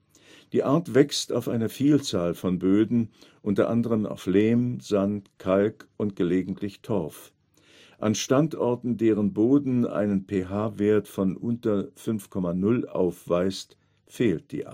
Die Art wächst auf einer Vielzahl von Böden, unter anderem auf Lehm, Sand, Kalk und gelegentlich Torf; an Standorten, deren Boden einen pH-Wert von unter 5,0 aufweist, fehlt die